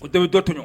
U dɔ bi dɔ tɔɲɔn.